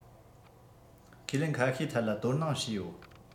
ཁས ལེན ཁ ཤས ཐད ལ དོ སྣང བྱས ཡོད